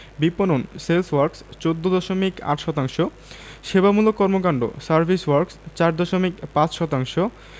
বিপণন sales works ১৪দশমিক ৮ শতাংশ সেবামূলক কর্মকান্ড সার্ভিস ওয়ার্ক্স ৪ দশমিক ৫ শতাংশ